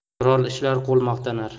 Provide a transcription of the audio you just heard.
qurol ishlar qo'l maqtanar